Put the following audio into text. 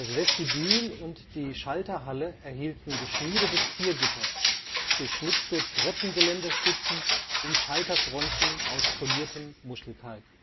Vestibül und die Schalterhalle erhielten geschmiedete Ziergitter, geschnitzte Treppengeländerstützen und Schalterfronten aus poliertem Muschelkalk